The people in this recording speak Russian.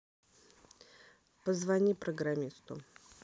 позвони программисту